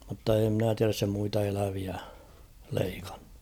mutta ei minä tiedä se muita eläviä leikannut